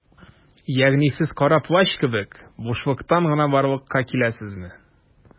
Ягъни сез Кара Плащ кебек - бушлыктан гына барлыкка киләсезме?